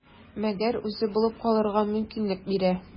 Мәгәр үзе булып калырга мөмкинлек бирә.